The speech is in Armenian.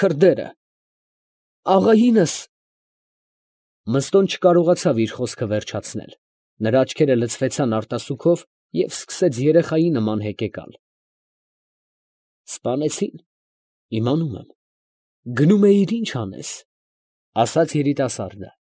Քրդերը… աղայինս… Մըստոն չկարողացավ իր խոսքը վերջացնել, նրա աչքերը լցվեցան արտասուքով և սկսեց երեխայի նման հեկեկալ։ ֊ Սպանեցի՞ն… իմանում եմ, ֊ ասաց երիտասարդը։ ֊ Գնում էիր ի՞նչ անես։ ֊